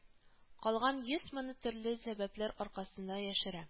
Калган йөз моны төрле сәбәпләр аркасында яшерә